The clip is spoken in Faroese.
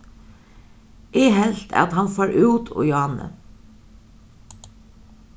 eg helt at hann fór út í áðni